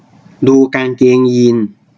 ดูกางเกงยีนส์